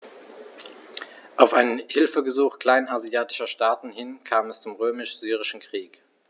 Auf ein Hilfegesuch kleinasiatischer Staaten hin kam es zum Römisch-Syrischen Krieg.